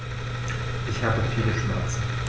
Ich habe viele Schmerzen.